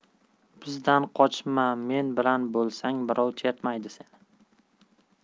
bizdan qochma men bilan bo'lsang birov chertmaydi seni